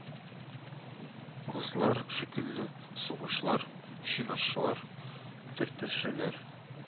Гызлар шикелле, сугышлар, чинашалар, төртешәләр